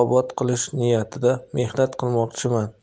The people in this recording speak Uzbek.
obod qilish niyatida mehnat qilmoqchiman